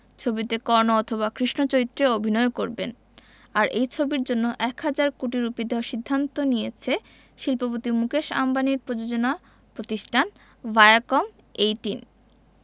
ছবিতে কর্ণ অথবা কৃষ্ণ চরিত্রে অভিনয়ও করবেন আর এই ছবির জন্য এক হাজার কোটি রুপি দেওয়ার সিদ্ধান্ত নিয়েছে শিল্পপতি মুকেশ আম্বানির প্রযোজনা প্রতিষ্ঠান ভায়াকম এইটিন